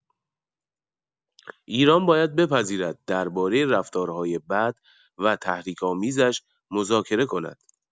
ایران باید بپذیرد درباره رفتارهای بد و تحریک‌آمیزش مذاکره کند.